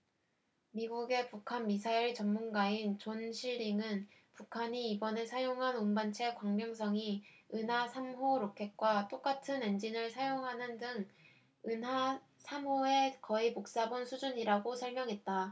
미국의 북한 미사일 전문가인 존 실링은 북한이 이번에 사용한 운반체 광명성이 은하 삼 호 로켓과 똑같은 엔진을 사용하는 등 은하 삼 호의 거의 복사본 수준이라고 설명했다